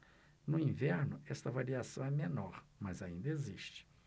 no inverno esta variação é menor mas ainda existe